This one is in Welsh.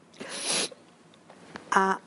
A...